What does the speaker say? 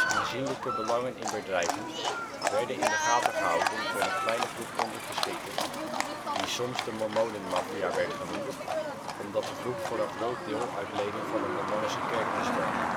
aanzienlijke belangen in bedrijven werden in de gaten gehouden door een kleine groep ondergeschikten die soms de " Mormonenmaffia " werd genoemd omdat de groep voor een groot deel uit leden van de Mormoonse kerk bestond